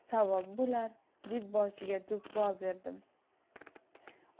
savob bo'lar deb boshiga do'ppi oberdim